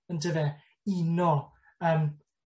on'd yfe? Uno yym